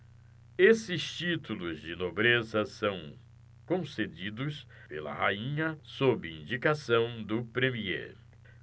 esses títulos de nobreza são concedidos pela rainha sob indicação do premiê